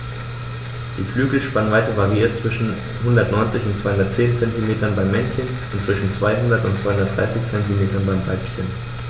Die Flügelspannweite variiert zwischen 190 und 210 cm beim Männchen und zwischen 200 und 230 cm beim Weibchen.